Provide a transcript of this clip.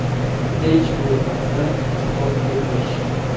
hech bo'lmasa kitob o'qish